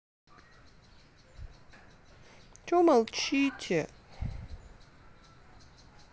че молчите